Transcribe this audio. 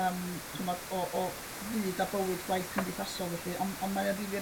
yym ch'mod o o fyd a bywyd gwaith cymdeithasol felly ond ond mae o'n ddifyr